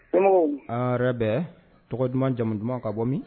Somɔgɔw ? An hɛrɛ bɛ? tɔgɔ duman jamu duman ? ka bɔ min?